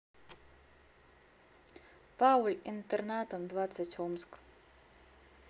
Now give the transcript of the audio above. paul интернатном двадцать омск